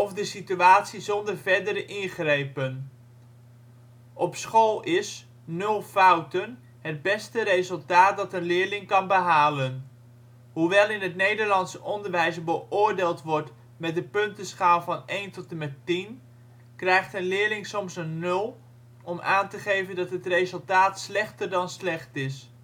de situatie zonder verdere ingrepen. Op school is nul fouten het beste resultaat dat een leerling kan behalen. Hoewel in het Nederlandse onderwijs beoordeeld wordt met de puntenschaal van 1 tot en met 10, krijgt een leerling soms een nul om aan te geven dat het resultaat slechter dan slecht is